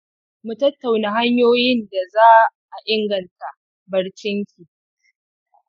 mu tattauna hanyoyin da za a inganta barcinki.